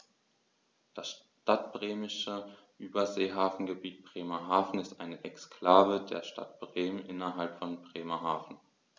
Das Stadtbremische Überseehafengebiet Bremerhaven ist eine Exklave der Stadt Bremen innerhalb von Bremerhaven.